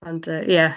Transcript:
Ond, yy, ie.